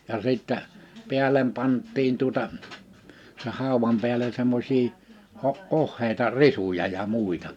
ja sitten päälle pantiin tuota sen haudan päälle semmoisia - ohuita risuja ja muita